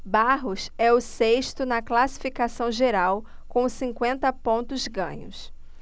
barros é o sexto na classificação geral com cinquenta pontos ganhos